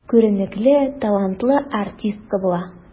Күренекле, талантлы артистка була.